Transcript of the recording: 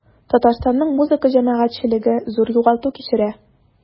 Татарстанның музыка җәмәгатьчелеге зур югалту кичерә.